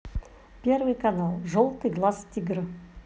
первый канал желтый глаз тигра